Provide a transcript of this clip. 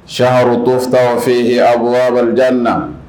Siyanrotota o fɛ yen a bolo na